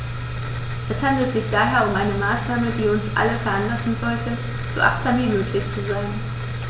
Es handelt sich daher um eine Maßnahme, die uns alle veranlassen sollte, so achtsam wie möglich zu sein.